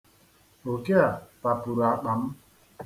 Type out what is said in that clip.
Oke a tapuru akpa m.